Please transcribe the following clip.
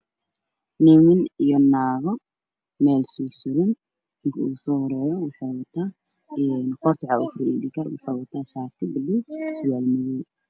Niman iyo naago meel sursuran ninka ugu soo horeeyo wuxu wataa een qoorta waxa ugu jiro I'd card wuxu wataa shaati buluug iyo surwaal madow